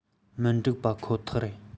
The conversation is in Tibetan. མི འགྲིག པ ཁོ ཐག རེད